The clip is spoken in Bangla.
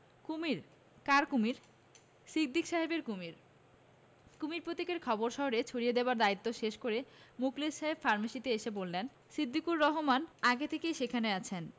কুমীর কার কুমীর সিদ্দিক সাহেবের কুমীর কুমীর প্রতীকের খবর শহরে ছড়িয়ে দেবার দায়িত্ব শেষ করে মুখলেস সাহেব ফার্মেসীতে এসে বসলেন সিদ্দিকুর রহমনি আগে থেকেই সেখানে আছেন